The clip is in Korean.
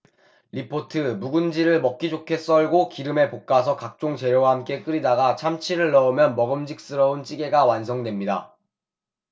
리포트 묵은지를 먹기 좋게 썰고 기름에 볶아서 각종 재료와 함께 끓이다가 참치를 넣으면 먹음직스러운 찌개가 완성됩니다